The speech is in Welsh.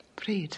Pryd?